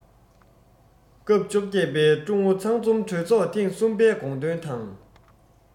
སྐབས བཅོ བརྒྱད པའི ཀྲུང ཨུ ཚང འཛོམས གྲོས ཚོགས ཐེངས གསུམ པའི དགོངས དོན དང